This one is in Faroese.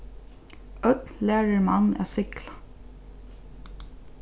ódn lærir mann at sigla